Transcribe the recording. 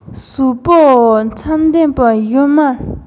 ཟོག པོའི མཚམ འདོན པའི བཞུ མར